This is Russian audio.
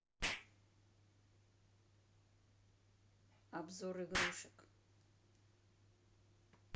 обзор игрушек